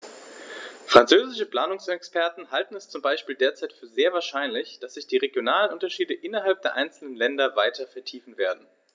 Französische Planungsexperten halten es zum Beispiel derzeit für sehr wahrscheinlich, dass sich die regionalen Unterschiede innerhalb der einzelnen Länder weiter vertiefen werden.